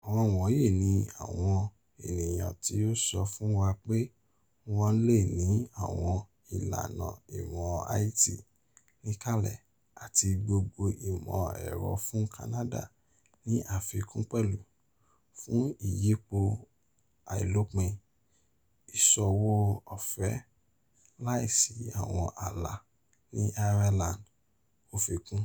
Àwọn wọ̀nyí ni àwọn ènìyàn tí ó sọ fún wa pé wọ́n lè ni àwọn ìlànà ìmọ̀ IT níkàlẹ̀ ati gbogbo ìmọ̀-ẹ̀rọ fún Canada ní àfikún pẹ̀lú, fún ìyípò àìlópin, ìṣòwò ọ̀fẹ́ láìsí àwọn ààlà ní Ireland,’o fi kun.